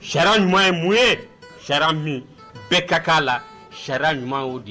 Sariya ɲuman ye sariya min bɛɛ ka kan la sariya ɲuman